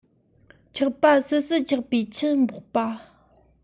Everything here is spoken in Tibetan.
འཁྱགས པ སིལ སིལ ཆགས པའི ཆུ འབོགས པ